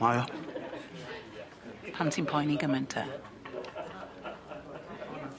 Mae o. Pam ti'n poeni gyment te?